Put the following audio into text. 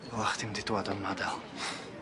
'W'rach chdi'm 'di dŵad yma del.